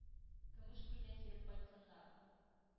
Көмеш күлгә кире кайтсыннар.